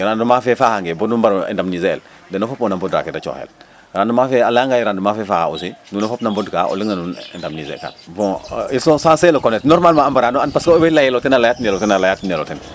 i rendement faaxangee banu mbaro indemniser el den no fop o naa mbodra ke da cooxel rendement a layanga ye rendement fe faaxa aussi nuno fop na mbodka o leng na nun indemniser kan bon ils sont censés le connaitre normalement a mbaran o and parce que owey layel o ten a laytinel o ten